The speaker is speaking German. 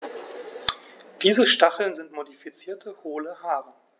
Diese Stacheln sind modifizierte, hohle Haare.